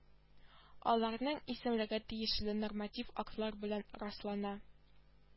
Аларның исемлеге тиешле норматив актлар белән раслана